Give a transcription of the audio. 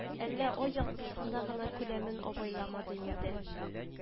Әллә ай яктысында гына күләмен абайламады инде